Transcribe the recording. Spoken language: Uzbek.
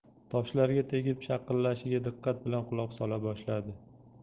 toshlarga tegib shaqillashiga diqqat bilan quloq sola boshladi